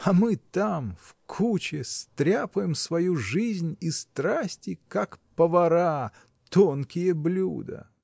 А мы там, в куче, стряпаем свою жизнь и страсти, как повара — тонкие блюда!.